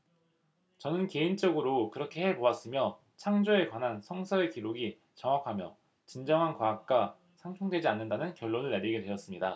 저는 개인적으로 그렇게 해 보았으며 창조에 관한 성서의 기록이 정확하며 진정한 과학과 상충되지 않는다는 결론을 내리게 되었습니다